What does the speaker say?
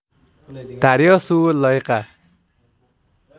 daryo suvi loyqa